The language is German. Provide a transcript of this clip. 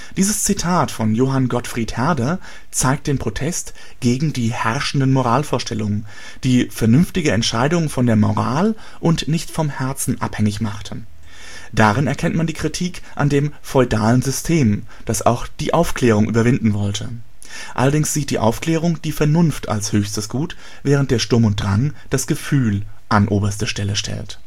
Dieses Zitat von Johann Gottfried Herder zeigt den Protest gegen die herrschenden Moralvorstellungen, die vernünftige Entscheidungen von der Moral und nicht vom Herzen abhängig machten. Darin erkennt man die Kritik an dem feudalen System, das auch die Aufklärung überwinden wollte. Allerdings sieht die Aufklärung die Vernunft als höchstes Gut, während der Sturm und Drang das Gefühl an oberste Stelle stellt